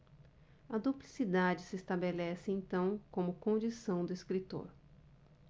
a duplicidade se estabelece então como condição do escritor